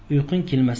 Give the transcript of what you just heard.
uyqung kelmasa